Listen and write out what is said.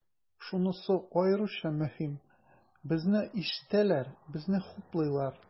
Шунысы аеруча мөһим, безне ишетәләр, безне хуплыйлар.